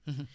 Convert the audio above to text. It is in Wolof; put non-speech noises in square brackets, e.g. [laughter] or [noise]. [hesitation] [hesitation]